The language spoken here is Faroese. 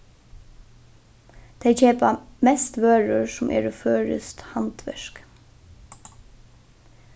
tey keypa mest vørur sum eru føroyskt handverk